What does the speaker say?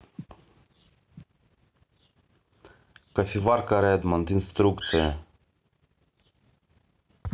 кофеварка редмонд инструкция